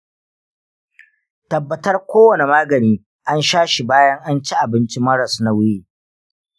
tabbatar kowane magani an shashi bayan an ci abinci maras nauyi.